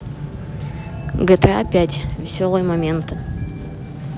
гта пять веселые моменты